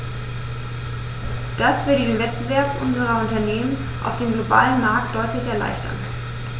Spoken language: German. Das würde den Wettbewerb unserer Unternehmen auf dem globalen Markt deutlich erleichtern.